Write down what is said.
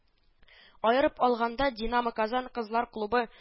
Аерып алганда, “Динамо-Казан” кызлар клубы